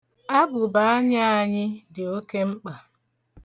Abụbaanya anyị dị oke mkpa.